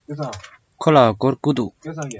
ཁོ ལ སྒོར དགུ འདུག